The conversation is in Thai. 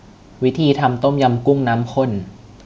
วิธีทำต้มยำกุ้งน้ำข้น